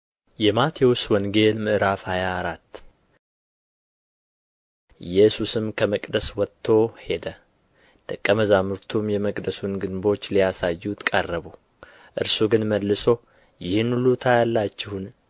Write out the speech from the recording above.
﻿የማቴዎስ ወንጌል ምዕራፍ ሃያ አራት ኢየሱስም ከመቅደስ ወጥቶ ሄደ ደቀ መዛሙርቱም የመቅደሱን ግንቦች ሊያሳዩት ቀረቡ እርሱ ግን መልሶ ይህን ሁሉ ታያላችሁን